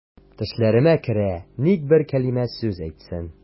Төшләремә керә, ник бер кәлимә сүз әйтсен.